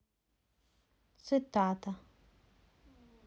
цитата